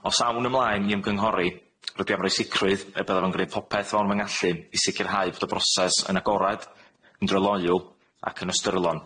Os awn ymlaen i ymgynghori, rydw i am roi sicrwydd y byddaf yn gneud popeth o fewn fy ngallu i sicirhau fod y broses yn agorad, yn dryloyw, ac yn ystyrlon.